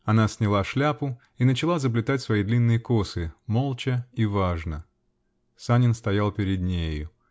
-- Она сняла шляпу и начала заплетать свои длинные косы -- молча и важно. Санин стоял перед нею.